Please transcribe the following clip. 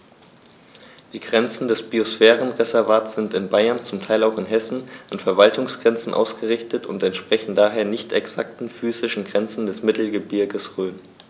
Die Grenzen des Biosphärenreservates sind in Bayern, zum Teil auch in Hessen, an Verwaltungsgrenzen ausgerichtet und entsprechen daher nicht exakten physischen Grenzen des Mittelgebirges Rhön.